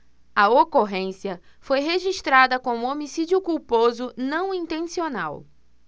a ocorrência foi registrada como homicídio culposo não intencional